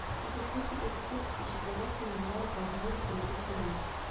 Тигезле-тигезсез җирдәге коймалар гармун күреге сыман